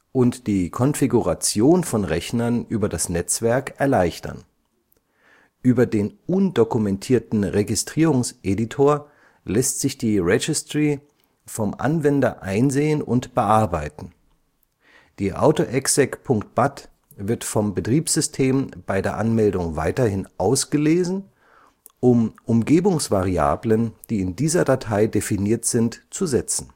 und die Konfiguration von Rechnern über das Netzwerk erleichtern. Über den undokumentierten Registrierungseditor lässt sich die Registry vom Anwender einsehen und bearbeiten. Die AUTOEXEC.BAT wird vom Betriebssystem bei der Anmeldung weiterhin ausgelesen, um Umgebungsvariablen, die in dieser Datei definiert sind, zu setzen